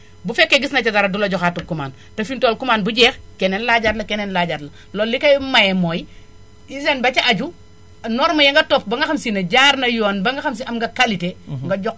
bu fekkee gis nga si dara du la joxaat commande te fi mu toll commande bu jeex keneen laajaat la keneen laajaat la loolu li koy maye mooy hygène ba ca aju norme ya nga topp ba nga xamante ne sii jaar na yoon ba nga xamante ne sii am nga qualité nga jox